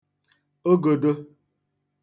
ogōdō